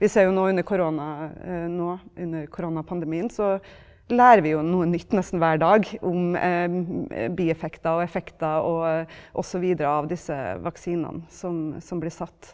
vi ser jo nå under korona nå under koronapandemien så lærer vi jo noe nytt nesten hver dag om bieffekter og effekter og osv. av disse vaksinene som som blir satt.